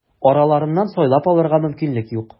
Араларыннан сайлап алырга мөмкинлек юк.